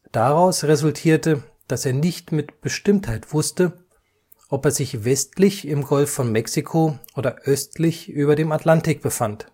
Daraus resultierte, dass er nicht mit Bestimmtheit wusste, ob er sich westlich im Golf von Mexiko oder östlich über dem Atlantik befand